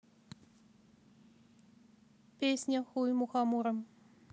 песня хуй мусорам